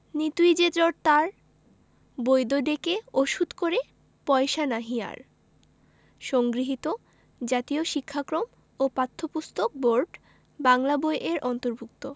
নিতুই যে জ্বর তার বৈদ্য ডেকে ওষুধ করে পয়সা নাহি আর সংগৃহীত জাতীয় শিক্ষাক্রম ও পাঠ্যপুস্তক বোর্ড বাংলা বই এর অন্তর্ভুক্ত